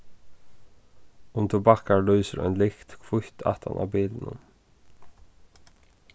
um tú bakkar lýsir ein lykt hvítt aftan á bilinum